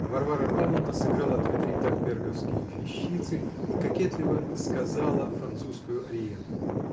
Варвара Павловна сыграла две-три тальберговские вещицы и кокетливо "сказала" французскую ариетку.